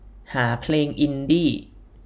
หาเพลงอินดี้